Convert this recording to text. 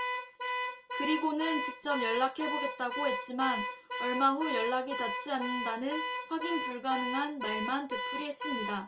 그리고는 직접 연락해보겠다고 했지만 얼마 후 연락이 닿지 않는다는 확인 불가능한 말만 되풀이했습니다